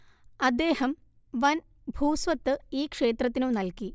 അദ്ദേഹം വൻ ഭൂസ്വത്ത് ഈ ക്ഷേത്രത്തിനു നൽകി